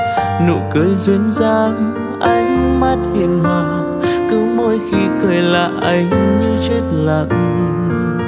nụ cười duyên dáng ánh mắt hiền hòa cứ mỗi khi cười là anh như chết lặng